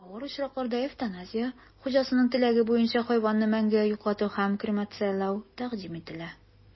Авыр очракларда эвтаназия (хуҗасының теләге буенча хайванны мәңгегә йоклату һәм кремацияләү) тәкъдим ителә.